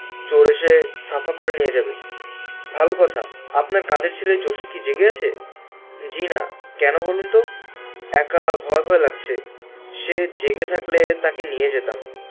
চুর এসে ছাপা করে নিয়ে যাবে ভাল কথা আপনার কাজের ছেলে জুসু কি জেগে আছে জি না কেন বলুন তো একা ভয় ভয় লাগছে সে জেগে থাকলে তাকে নিয়ে যেতাম